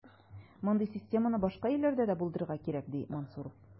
Мондый системаны башка илләрдә дә булдырырга кирәк, ди Мансуров.